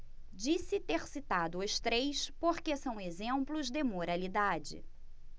disse ter citado os três porque são exemplos de moralidade